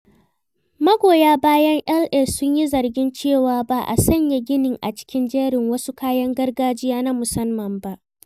Magoya bayan AL sun yi zargin cewa ba a sanya ginin a cikin jerin wasu kayan gargajiya na musamman ba.